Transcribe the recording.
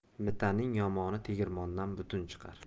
mitaning yomoni tegirmondan butun chiqar